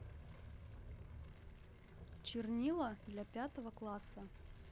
чернила для пятого класса